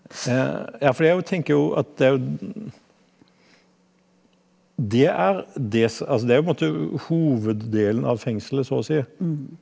ja for det jeg jo jeg tenker jo at det er jo det er det altså det er jo på en måte hoveddelen av fengselet så og si.